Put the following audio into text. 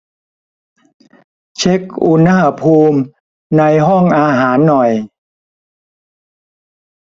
เช็คอุณหภูมิในห้องอาหารหน่อย